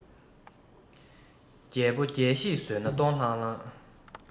རྒྱལ པོ རྒྱལ གཞིས ཟོས ནས ལྟོགས ལྷང ལྷང